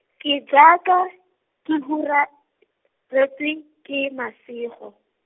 ke jaaka, ke hularetswe, ke masego.